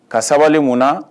Ka sabali mun